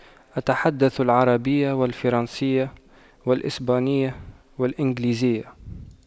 أتحدث العربية والفرنسية والإسبانية والإنجليزية